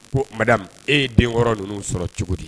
Ko mada e ye denkɔrɔ ninnu sɔrɔ cogo di